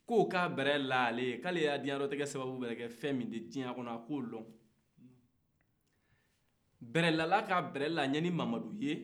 ko k'a bɛlɛ da ale ye k'ale ka duniyalatigɛ sabu mana kɛ fɛn min ye diɲɛkɔnɔ a k'o dɔn bɛlɛdala ye bɛlɛ da ɲani mamadu ye